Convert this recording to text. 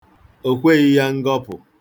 O kweghị ya ngọpụ